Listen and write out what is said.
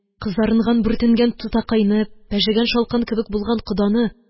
Кызарынган-бүртенгән тутакайны, пәжегән шалкан кебек булган коданы